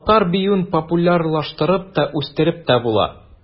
Татар биюен популярлаштырып та, үстереп тә була.